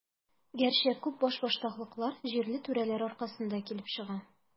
Гәрчә, күп башбаштаклыклар җирле түрәләр аркасында килеп чыга.